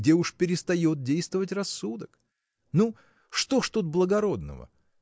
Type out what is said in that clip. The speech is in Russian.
где уж перестает действовать рассудок? Ну что ж тут благородного?